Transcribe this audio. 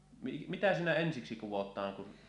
mitä siinä ensiksi kudotaan